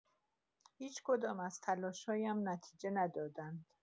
هیچ‌کدام از تلاش‌هایم نتیجه ندادند.